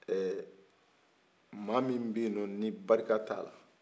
ɛɛ maa min bɛ yennɔ ni barika t'a la